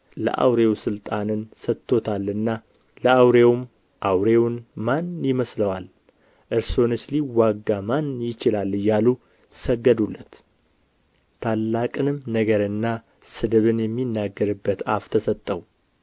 ለአውሬው ሥልጣንን ሰጥቶታልና ለአውሬውም አውሬውን ማን ይመስለዋል እርሱንስ ሊዋጋ ማን ይችላል እያሉ ሰገዱለት ታላቅንም ነገርና ስድብን የሚናገርበት አፍ ተሰጠው